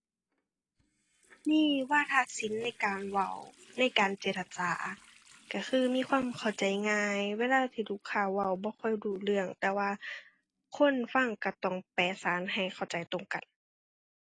มีวาทศิลป์ในการเว้า ในการเจรจา ก็คือมีความเข้าใจง่าย เวลาที่ลูกค้าเว้าบ่ค่อยรู้เรื่อง แต่ว่าคนฟังก็ต้องแปลสารให้เข้าใจตรงกัน